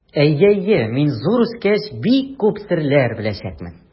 Әйе, әйе, мин, зур үскәч, бик күп серләр беләчәкмен.